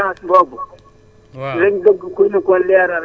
waaw assurance boobu